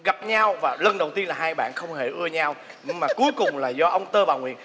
gặp nhau và lần đầu tiên là hai bạn không hề ưa nhau nhưng mà cuối cùng là do ông tơ bà nguyệt